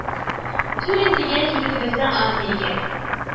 Тюрин дигән егетебезне армиягә